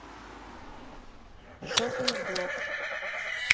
шопинг блог